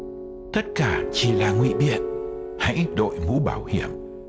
tất cả chỉ là ngụy biện hãy đội mũ bảo hiểm